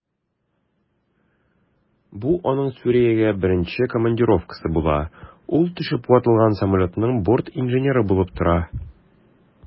Бу аның Сүриягә беренче командировкасы була, ул төшеп ватылган самолетның бортинженеры булып тора.